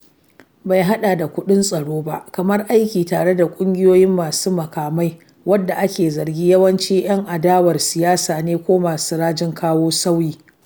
Bai hada da kudin tsaro ba, kamar aiki tare da ƙungiyoyin masu makamai, wadda ake zargi yawanci yan adawar siyasa ne ko masu rajin kawo sauyi.